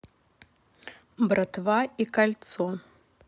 братва и кольцо